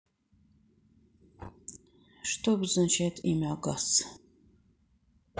что обозначает имя агас